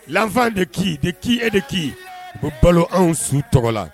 Lan de k'i de k'i e de k'i ko balo anw su tɔgɔ la